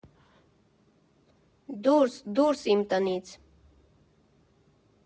«Դո՛ւրս, դո՛ւրս իմ տնից»։